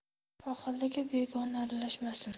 mahallaga begona aralashmasin